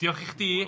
Diolch i chdi.